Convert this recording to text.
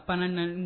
Fana naln